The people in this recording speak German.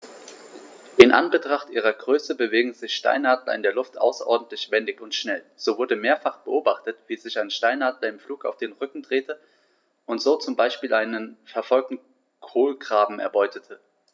In Anbetracht ihrer Größe bewegen sich Steinadler in der Luft außerordentlich wendig und schnell, so wurde mehrfach beobachtet, wie sich ein Steinadler im Flug auf den Rücken drehte und so zum Beispiel einen verfolgenden Kolkraben erbeutete.